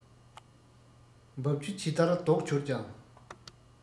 འབབ ཆུ ཇི ལྟར ལྡོག གྱུར ཀྱང